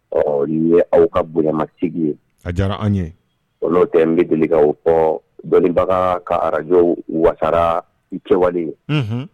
Ɔ nin ye aw ka bonyamasigi ye a diyara an ye bɔn n'o tɛ bɛ delikaw dɔnnibaga ka arajo wasara u cɛwale ye